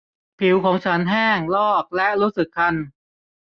ผิวของฉันแห้งลอกและรู้สึกคัน